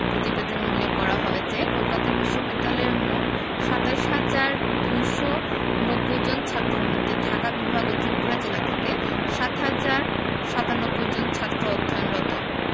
প্রতিবেদনে উল্লেখ করা হয় যে কলকাতা বিশ্ববিদ্যালয়ের মোট ২৭ হাজার ২৯০ জন ছাত্রের মধ্যে ঢাকা বিভাগ ও ত্রিপুরা জেলা থেকে ৭ হাজার ৯৭ জন ছাত্র অধ্যয়নরত